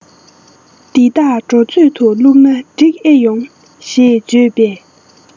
འདི དག འབྲུ མཛོད དུ བླུགས ན འགྲིག ཨེ ཡོང ཞེས བརྗོད པས